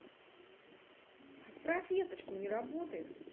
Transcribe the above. отправь весточку не работает